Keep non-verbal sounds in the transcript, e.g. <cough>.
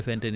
<hesitation> <hesitation>